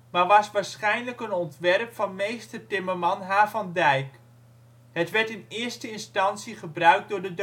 maar was waarschijnlijk een ontwerp van meester-timmerman H. van Dijk. Het werd in eerste instantie gebruikt door de